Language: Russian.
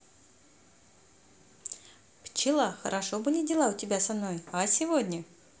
пчела хорошо были дела у тебя со мной а сегодня